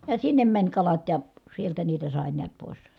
ja sinne meni kalat ja sieltä niitä sai näet pois